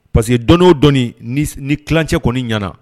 Pa que dɔn o ni tilencɛ kɔni ɲɛnaana